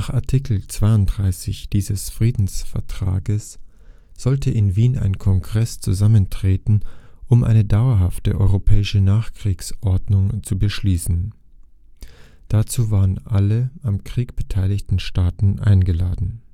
Artikel 32 dieses Friedensvertrages sollte in Wien ein Kongress zusammentreten, um eine dauerhafte europäische Nachkriegsordnung zu beschließen. Dazu waren alle am Krieg beteiligten Staaten eingeladen